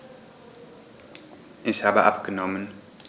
Ich habe abgenommen.